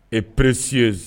et précieuse